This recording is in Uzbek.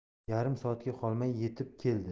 yarim soatga qolmay yetib keldi